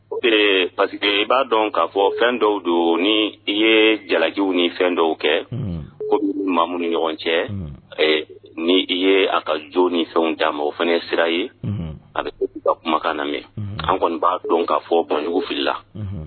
Parceseke i b'a dɔn k'a fɔ fɛn dɔw don ni i ye jalajw ni fɛn dɔw kɛ ko mamu ni ɲɔgɔn cɛ ni i ye a ka jo ni fɛn' ma o fana ye sira ye a bɛ ka kumakan na an kɔni b'a dɔn ka fɔ bɔnjugu fili la